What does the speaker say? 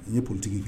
I ye politique k